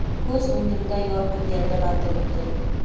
ko'z o'ngimda yorqin gavdalantiribdi